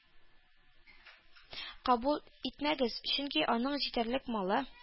Кабул итмәгез, чөнки аның җитәрлек малы